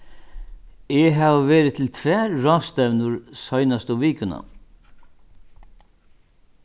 eg havi verið til tvær ráðstevnur seinastu vikuna